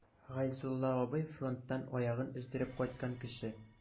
Гайзулла абый— фронттан аягын өздереп кайткан кеше.